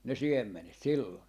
ne siemenet silloin